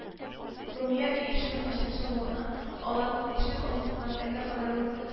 Румия өй ишеген ачып чыгуына, аларның ишек алдысыннан әлгә кадәр үк